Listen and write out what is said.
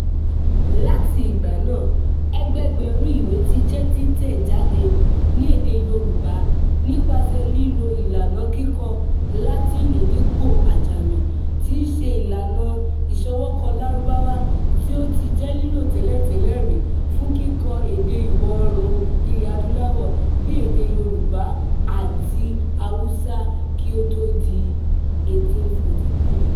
Láti ìgbà náà, ẹgbẹẹgbẹ̀rún ìwé ti jẹ́ títẹ̀ jáde ní èdè Yorùbá nípasẹ̀ lílo ìlànà kíkọ Látíìnì dípò Ajami, tí í ṣe ìlànà ìṣọwọ́kọ Lárúbáwá tí ó ti jẹ́ lílò tẹ́lẹ̀tẹ́lẹ́ rí fún kíkọ èdè Ìwọ̀-oòrùn Ilẹ̀-Adúláwọ̀ bí i èdè Yorùbá àti Haúsá kí ó tó di 1843.